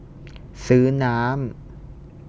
ซื้อน้ำ